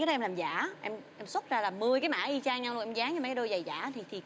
này làm giả em suất ra mười cái mã y chang nhau em dán vào mấy đôi giày giả vậy thì